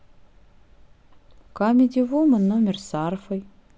камеди вумен номер с арфой